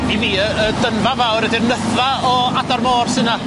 I fi y y dynfa fawr ydi'r nytha o adar môr sy' 'na.